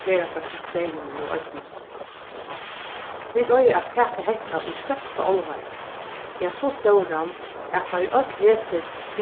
ferðafólkastreyminum í oynni vit eiga at taka hetta í størsta álvara ja so stóran at tá ið øll hesi